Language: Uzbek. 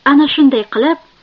ana shunday qilib